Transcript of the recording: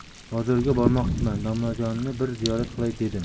bozorga bormoqchiman domlajonni bir ziyorat qilay dedim